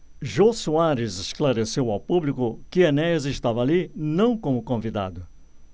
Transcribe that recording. jô soares esclareceu ao público que enéas estava ali não como convidado